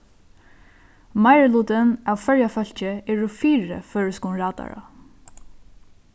meirilutin av føroya fólki eru fyri føroyskum radara